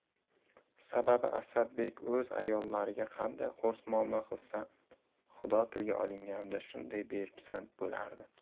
sababki asadbek o'z a'yonlariga qanday qo'rs muomala qilsa xudo tilga olinganida shunday bepisand bo'lardi